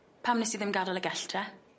Pam wnes di ddim gad'el y gell te?